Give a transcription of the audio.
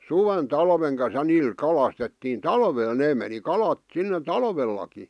suven talven kanssa ja niillä kalastettiin talvella ne meni kalat sinne talvellakin